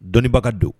Dɔnnibaga do